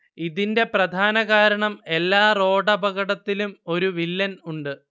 ഇതിന്റെ പ്രധാന കാരണം എല്ലാ റോഡപകടത്തിലും ഒരു വില്ലൻ ഉണ്ട്